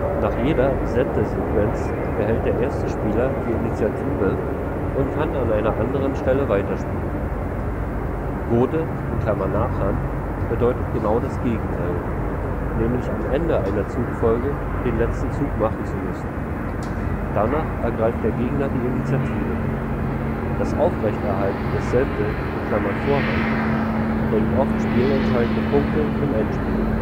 Nach jeder Sentesequenz behält der erste Spieler die Initiative und kann an einer anderen Stelle weiterspielen. Gote (Nachhand) bedeutet genau das Gegenteil, nämlich am Ende einer Zugfolge den letzten Zug machen zu müssen. Danach ergreift der Gegner die Initiative. Das Aufrechterhalten des Sente (Vorhand) bringt oft spielentscheidende Punkte im Endspiel